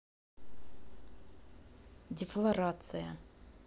дефлорация